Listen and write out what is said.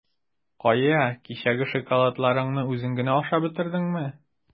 Кая, кичәге шоколадларыңны үзең генә ашап бетердеңме?